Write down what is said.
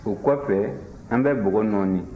o kɔfɛ an bɛ bɔgɔ nɔɔni